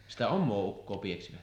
sitä omaa ukkoa pieksivät